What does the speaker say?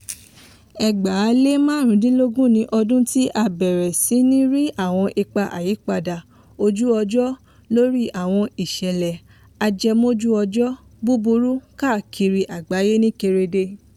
2015 ni ọdún tí a ti bẹ̀rẹ̀ sí ní rí àwọn ipa àyípadà ojú-ọjọ́ lórí àwọn ìṣẹ̀lẹ̀ ajẹmójú-ọjọ́ búburú káàkiri àgbáyé ní kedere.